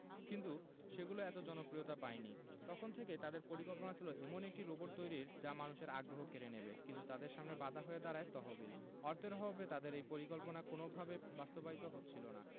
কিন্তু সেগুলো এত জনপ্রিয়তা পায়নি তখন থেকেই তাদের পরিকল্পনা ছিল এমন একটি রোবট তৈরির যা মানুষের আগ্রহ কেড়ে নেবে কিন্তু তাদের সামনে বাধা হয়ে দাঁড়ায় তহবিল অর্থের অভাবে তাদের সেই পরিকল্পনা কোনওভাবেই বাস্তবায়িত হচ্ছিল না